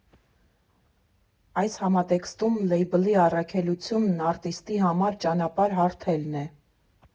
Այս համատեքստում լեյբլի առաքելությունն արտիստի համար ճանապարհ հարթելն է։